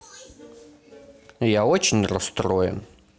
я очень расстроен